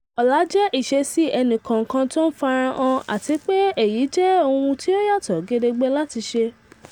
Ọ̀lá jẹ́ ìṣesí ẹ̀nì kọ̀ọ̀kan to ń farahàn, àtipé èyí jẹ́ ohun ti ó yàtọ̀ gedégbé láti ṣe.